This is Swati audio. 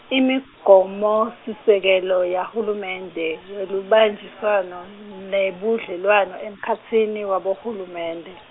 Imigomosisekelo yahulumende welubanjiswano nebudlelwano emkhatsini wabohulumende.